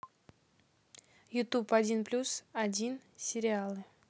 ютуб один плюс один сериалы